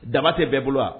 Daba tɛ bɛɛ bolo wa